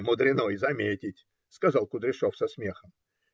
- Мудрено и заметить, - сказал Кудряшов со смехом.